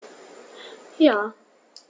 Ja.